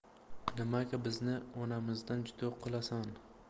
nimaga bizni onamizdan judo qilasan